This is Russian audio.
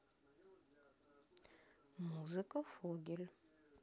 музыка фогель